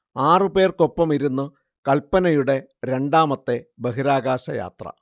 ആറു പേർക്കൊപ്പമായിരുന്നു കൽപനയുടെ രണ്ടാമത്തെ ബഹിരാകാശ യാത്ര